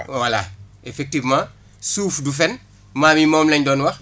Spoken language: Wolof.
voilà effectivement suuf du fen maam yi moom lañ doon wax